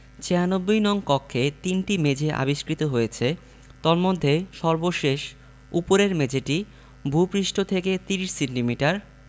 ৯৬ নং কক্ষে তিনটি মেঝে আবিষ্কৃত হয়েছে তন্মধ্যে সর্বশেষ উপরের মেঝেটি ভূপৃষ্ঠ থেকে ৩০ সেন্টিমিটার